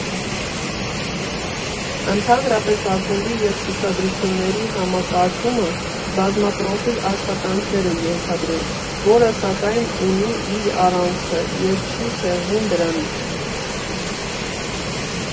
Ընդհանրապես՝ ակումբի և ցուցադրությունների համակարգումը բազմապրոֆիլ աշխատանքներ է ենթադրում, որը, սակայն, ունի իր առանցքը և չի շեղվում դրանից։